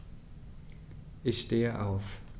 Ich stehe auf.